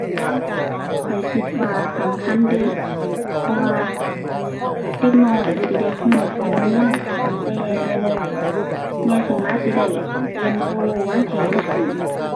ข้อยคิดว่าสำคัญเดะ เพราะว่าเด็กน้อยสิได้รู้ข้อมูลตั้งแต่น้อยน้อย ใหญ่ขึ้นมาสิได้เตรียมรู้วางแผนรู้